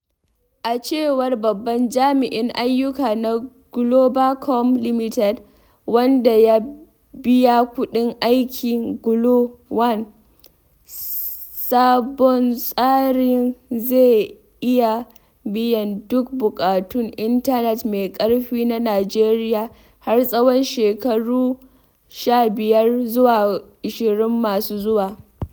A cewar Babban Jami’in Ayyuka na Globacom Limited, wanda ya biya kuɗin aikin GLO-1, sabon tsarin zai iya biyan duk buƙatun intanet mai ƙarfi na Najeriya har tsawon shekaru 15 zuwa 20 masu zuwa.